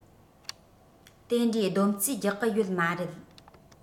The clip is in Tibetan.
དེ འདྲའི སྡོམ རྩིས རྒྱགས གི ཡོད མ རེད